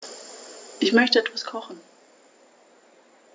Ich möchte etwas kochen.